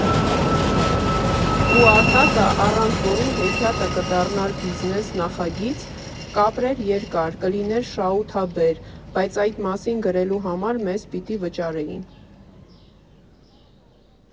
Ու Արտակը, առանց որի հեքիաթը կդառնար բիզնես նախագիծ, կապրեր երկար, կլիներ շահութաբեր, բայց այդ մասին գրելու համար մեզ պիտի վճարեին։